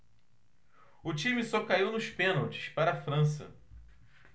o time só caiu nos pênaltis para a frança